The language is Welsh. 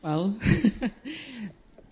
Wel .